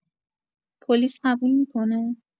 پلیس قبول می‌کنه؟